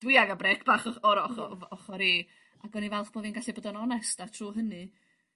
dwi angan brêc bach o- o'r och- o f- o fy ochor i a g o'n i'n falch bo' fi'n gallu bod yn onest ar trw hynny